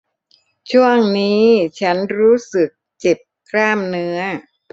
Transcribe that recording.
ช่วงนี้ฉันรู้สึกเจ็บกล้ามเนื้อ